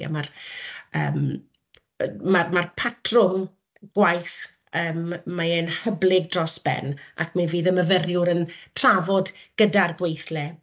a mae'r yym yy ma'r ma'r patrwm gwaith yym mae e'n hyblyg dros ben ac mi fydd y myfyriwr yn trafod gyda'r gweithle.